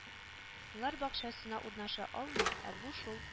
Лар бакчасына урнаша алмый, ә бу шул